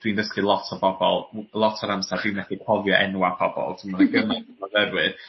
dwi'n dysgu lot o bobol l- lot o'r amsar dwi methu cofio enwa' pobol myfyrwyr